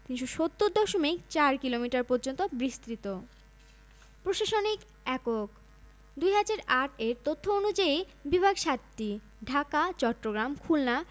রূপসা পসুর ফেনী ইত্যাদি অন্যতম প্রধান নদী জলবায়ুঃ বাংলাদেশের জলবায়ু ক্রান্তীয় মৌসুমি ধরনের সর্বোচ্চ ও সর্বনিম্ন গড় তাপমাত্রা